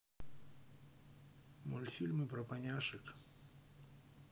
мультфильмы про поняшек